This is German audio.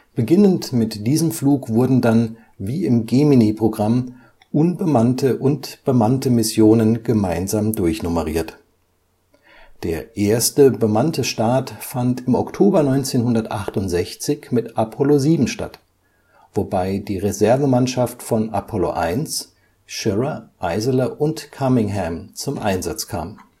Beginnend mit diesem Flug wurden dann, wie im Gemini-Programm, unbemannte und bemannte Missionen gemeinsam durchnummeriert. Der erste bemannte Start fand im Oktober 1968 mit Apollo 7 statt, wobei die Reservemannschaft von Apollo 1, Schirra, Eisele und Cunningham, zum Einsatz kam